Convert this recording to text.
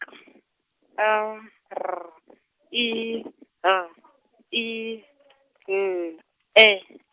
K A R I H I L E.